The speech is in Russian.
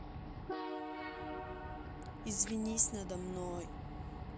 извинись надо мной